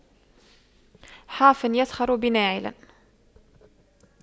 حافٍ يسخر بناعل